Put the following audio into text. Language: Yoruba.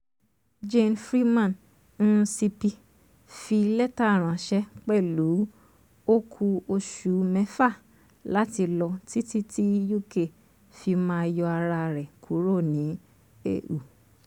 Jeane Freeman MSP fi lẹ́tà ránṣẹ́ pẹ̀lú pẹ́lú ó kú oṣù mẹ́fà láti lọ títí tí UK fi máa yọ ara rẹ̀ kúrò ní EU.